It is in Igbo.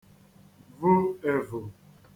vu èvù